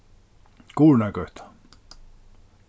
guðrunargøta